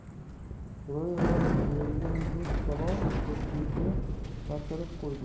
ro'yirost berilgan bu savol do'stbekni shoshirib qo'ydi